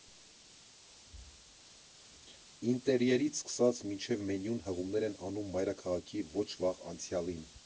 Ինտերիերից սկսած մինչև մենյուն հղումներ են անում մայրաքաղաքի ոչ վաղ անցյալին։